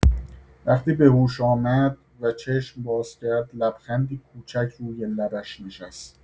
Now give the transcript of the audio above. وقتی به هوش آمد و چشم باز کرد، لبخندی کوچک روی لبش نشست.